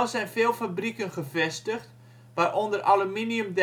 zijn veel fabrieken gevestigd, waaronder Aluminium